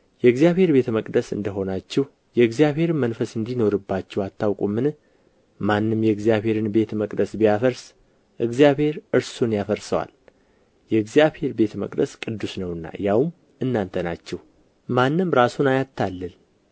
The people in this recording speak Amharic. የእግዚአብሔር ቤተ መቅደስ እንደ ሆናችሁ የእግዚአብሔርም መንፈስ እንዲኖርባችሁ አታውቁምን ማንም የእግዚአብሔርን ቤተ መቅደስ ቢያፈርስ እግዚአብሔር እርሱን ያፈርሰዋል የእግዚአብሔር ቤተ መቅደስ ቅዱስ ነውና ያውም እናንተ ናችሁ ማንም ራሱን አያታልል